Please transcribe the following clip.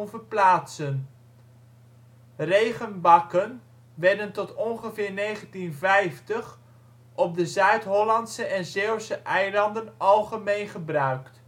verplaatsen. Regenbakken werden tot ongeveer 1950 op de Zuid-Hollandse en Zeeuwse Eilanden algemeen gebruikt